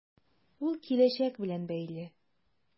Ул киләчәк белән бәйле.